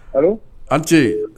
An tɛ